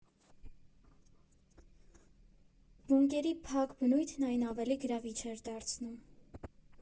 «Բունկերի» փակ բնույթն այն ավելի գրավիչ էր դարձնում։